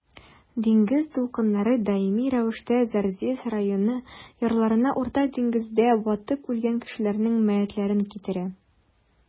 Диңгез дулкыннары даими рәвештә Зарзис районы ярларына Урта диңгездә батып үлгән кешеләрнең мәетләрен китерә.